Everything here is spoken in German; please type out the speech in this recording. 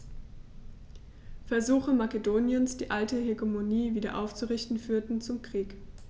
Versuche Makedoniens, die alte Hegemonie wieder aufzurichten, führten zum Krieg.